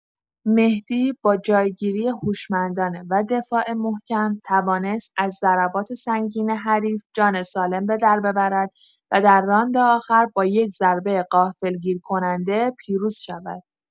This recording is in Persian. مهدی با جای‌گیری هوشمندانه و دفاع محکم، توانست از ضربات سنگین حریف جان سالم به درببرد و در راند آخر با یک ضربه غافلگیرکننده پیروز شود.